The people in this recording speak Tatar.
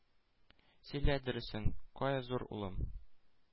Сөйлә дөресен, кая зур улым?